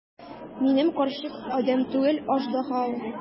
Минем карчык адәм түгел, аждаһа ул!